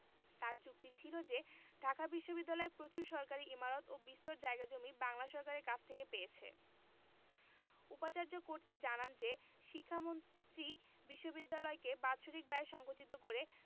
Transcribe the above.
তাঁর যুক্তি ছিল যে ঢাকা বিশ্ববিদ্যালয় প্রচুর সরকারি ইমারত ও বিস্তর জায়গা জমি বাংলা সরকারের কাছ থেকে পেয়েছে উপাচার্য কোর্টকে জানান যে শিক্ষামন্ত্রী বিশ্ববিদ্যালয়কে বাৎসরিক ব্যয় সংকুচিত করে